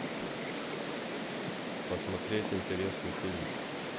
посмотреть интересный фильм